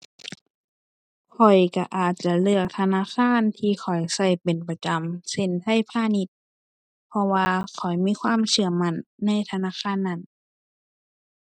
ข้อยก็อาจจะเลือกธนาคารที่ข้อยก็เป็นประจำ เช่น ไทยพาณิชย์ เพราะว่าข้อยมีความเชื่อมั่นในธนาคารนั้น